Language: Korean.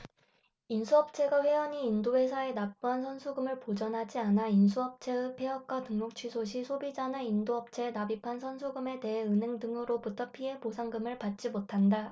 인수업체가 회원이 인도회사에 납부한 선수금을 보전하지 않아 인수업체의 폐업과 등록취소 시 소비자는 인도업체에 납입한 선수금에 대해 은행 등으로부터 피해보상금을 받지 못한다